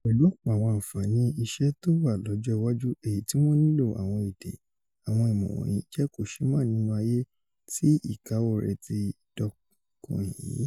Pẹ̀lú ọ̀pọ̀ àwọn àǹfààni iṣẹ̵́ tówà lọ́jọ́ iwájú èyití wọ́n nílò àwọn èdè, àwọn ìmọ̀ wọ̀nyí jẹ́ kòṣeémáàní nínú ayé tí ìkáwọ́ rẹ̀ ti dọ̀kan yìí.